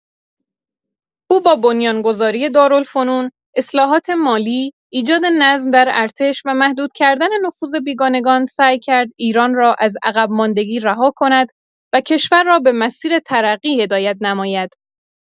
او با بنیان‌گذاری دارالفنون، اصلاحات مالی، ایجاد نظم در ارتش و محدود کردن نفوذ بیگانگان سعی کرد ایران را از عقب‌ماندگی رها کند و کشور را به مسیر ترقی هدایت نماید.